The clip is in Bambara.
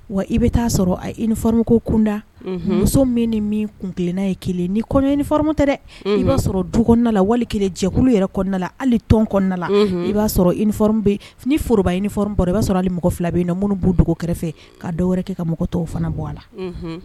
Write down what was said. Wa i bɛ taaa sɔrɔ a i nim ko kunda muso min ni min kun kelenna ye kelen ni kɔin fmu tɛ dɛ i b'a sɔrɔ dula wali kelen jɛkulu yɛrɛ kɔnɔnala hali tɔn kɔnɔna la i'a sɔrɔ i ni forooroba in f bɔra i b' sɔrɔ ni mɔgɔ fila bɛ na minnu b' dugu kɛrɛfɛ ka dɔw wɛrɛ kɛ ka mɔgɔ tɔw fana bɔ a la